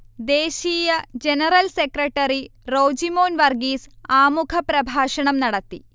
ദേശീയ general secretary Rojimon Varghese ആമുഖപ്രഭാഷണം നടത്തി